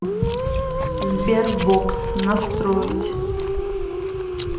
sberbox настроить